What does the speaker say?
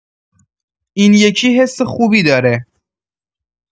این یکی حس خوبی داره.